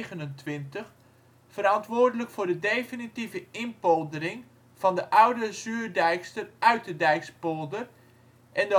en 1729 verantwoordelijk voor de definitieve inpoldering van de Oude Zuurdijkster Uiterdijkspolder en